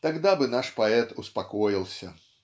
Тогда бы наш поэт успокоился.